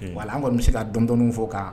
Wa an kɔni bɛ se ka dɔndɔ fɔ kan